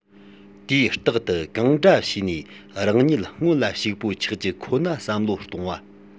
དུས རྟག ཏུ གང འདྲ བྱས ནས རང ཉིད སྔོན ལ ཕྱུག པོ ཆགས རྒྱུ ཁོ ན བསམ བློ གཏོང བ